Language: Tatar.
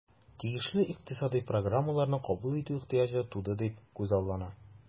Тиешле икътисадый программаларны кабул итү ихтыяҗы туды дип күзаллана.